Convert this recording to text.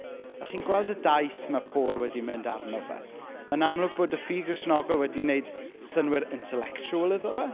A chi'n gweld y daith mae Paul wedi mynd arno fe mae'n amlwg bod y ffydd Gristnogol wedi wneud synnwyr intellectual iddo fe.